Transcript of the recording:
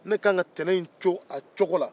ne ka kan ka tɛnɛ in to a cogo la